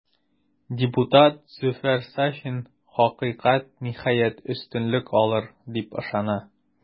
Депутат Зөфәр Сафин, хакыйкать, ниһаять, өстенлек алыр, дип ышана.